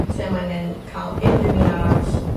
Ti 'im anen ca'l unryw un arall